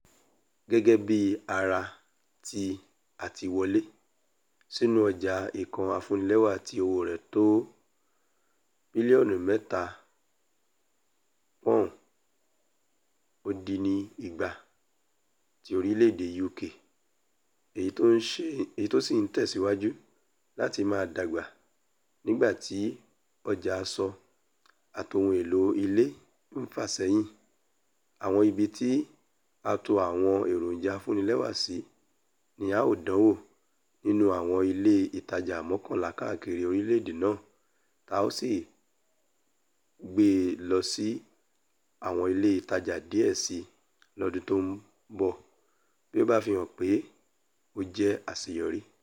Gẹ́gẹ́ bí ara ti àtiwọlé sínú ọjà nǹkan afúnnilẹ́wà tí owó rẹ̀ tó bílíọ́ọ̀nù pọ́ùn 2.8 ti orílẹ̀-èdè UK, èyití ó sì ń tẹ̀síwájù láti máa dàgbà nígbà ti ọjà aṣọ àti ohun èlò ilé ń fà sẹ́yìn, àwọn ibití a tò àwọn èrójà afúnnilẹ́wà sí ni a ó dánwò nínú àwọn ilé ìtajà mọ́kànlá káákìri orílẹ̀-èdè náà tí a ó sì gbé e lọsí́ àwọn ilé ìtajà díẹ̀ síi lọ́dun tó ḿbọ̀ bí ó bá fihàn pé o jẹ́ àṣeyọrí.